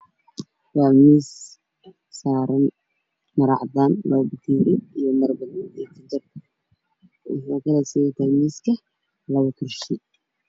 Waa miis ay saarin loo bekeeri mara caddaan ah iyo